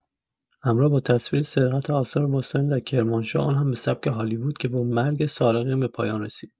همراه با تصاویر سرقت آثار باستانی در کرمانشاه آن هم به سبک هالیوود که با مرگ سارقین به پایان رسید.